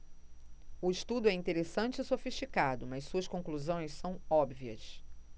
o estudo é interessante e sofisticado mas suas conclusões são óbvias